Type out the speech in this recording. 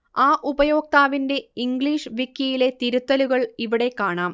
ആ ഉപയോക്താവിന്റെ ഇംഗ്ലീഷ് വിക്കിയിലെ തിരുത്തലുകൾ ഇവിടെ കാണാം